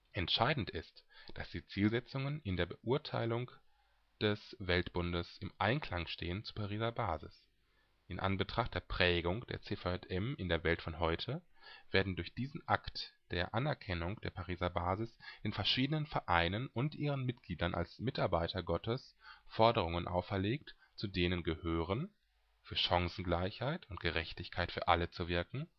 Entscheidend ist, dass die Zielsetzungen in der Beurteilung des Weltbundes im Einklang stehen zur Pariser Basis. In Anbetracht der Prägung der CVJM in der Welt von heute werden durch diesen Akt der Anerkennung der Pariser Basis den verschiedenen Vereinen und ihren Mitgliedern als Mitarbeiter Gottes Forderungen auferlegt, zu denen gehören. Für Chancengleichheit und Gerechtigkeit für alle zu wirken